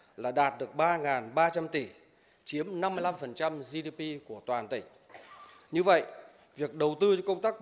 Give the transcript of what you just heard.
là đạt được ba ngàn ba trăm tỷ chiếm năm mươi lăm phần trăm gi đi pi của toàn tỉnh như vậy việc đầu tư cho công tác